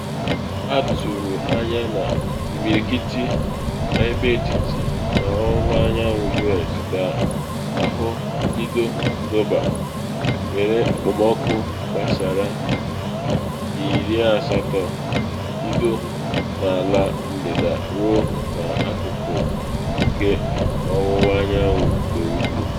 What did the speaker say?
Atụrụ anya na imirikiti n’ebe etiti na ọwụwa anyanwụ U.S. ga-ahụ mbido Ọktọba nwere ekpomọkụ gbasara 80s bido na Ala Ndịda ruo n’akụkụ nke Ọwụwa anyanwụ na ugwu.